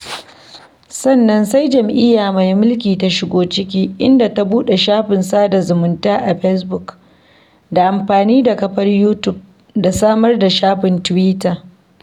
Sannan sai jam'iyya mai mulki ta shigo ciki, inda ta buɗe shafin sada zumunta a fesbuk da amfani da kafar Youtube da samar da shafin tiwita.